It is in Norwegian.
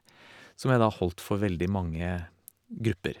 Som jeg da holdt for veldig mange grupper.